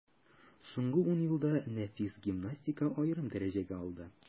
Соңгы ун елда нәфис гимнастика аерым дәрәҗәгә алды.